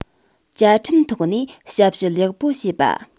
བཅའ ཁྲིམས ཐོག ནས ཞབས ཞུ ལེགས པོ བྱེད པ